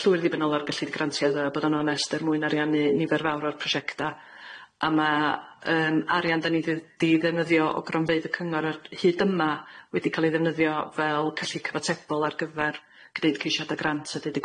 llwyr ddibynnol ar gyllid grantia ddo a bod yn onest er mwyn ariannu nifer fawr o'r prosiecta a ma' yym arian dyn ni di ddefnyddio o gronfeydd y cyngor ar hyd yma wedi ca'l ei ddefnyddio fel cyllid cyfatebol ar gyfer gneud cysiada grant a ddeud y